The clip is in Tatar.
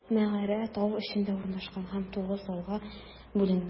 Мәгарә тау эчендә урнашкан һәм тугыз залга бүленгән.